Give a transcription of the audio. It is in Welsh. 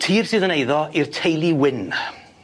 Tir sydd yn eiddo i'r teulu Wyn.